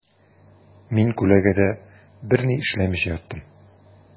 Мин күләгәдә берни эшләмичә яттым.